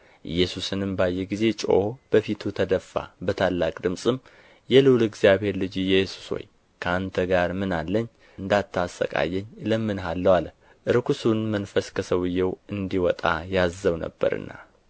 ኢየሱስንም ባየ ጊዜ ጮኾ በፊቱ ተደፋ በታላቅ ድምፅም የልዑል እግዚአብሔር ልጅ ኢየሱስ ሆይ ከአንተ ጋር ምን አለኝ እንዳትሣቀየኝ እለምንሃለሁ አለ ርኵሱን መንፈስ ከሰውዬው እንዲወጣ ያዘው ነበርና